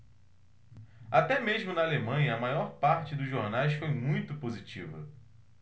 até mesmo na alemanha a maior parte dos jornais foi muito positiva